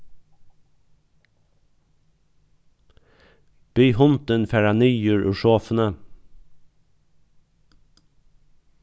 bið hundin fara niður úr sofuni